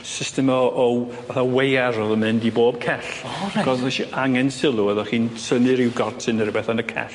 System o o fatha weiar o'dd yn mynd i bob cell. O reit. angen sylw oddech chi'n tynnu ryw gortyn ne' rwbeth yn y cell.